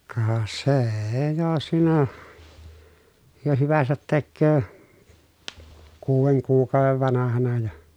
ka se jo siinä jo hyvänsä tekee kuuden kuukauden vanhana ja